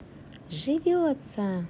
живется